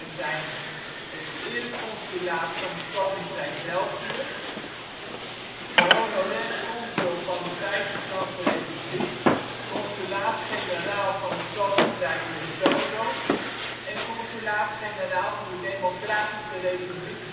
zijn: Ereconsulaat van het Koninkrijk België Honorair consul van de Vijfde Franse Republiek Consulaat-Generaal van het Koninkrijk Lesotho Consulaat-Generaal van de Democratische Republiek